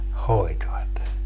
hoitivat